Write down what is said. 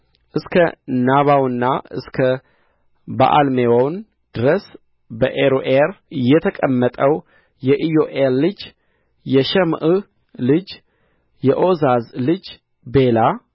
እስከ ናባውና እስከ በኣልሜዎን ድረስ በአሮዔር የተቀመጠው የኢዮኤል ልጅ የሽማዕ ልጅ የዖዛዝ ልጅ ቤላ